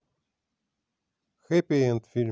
хэппи энд фильм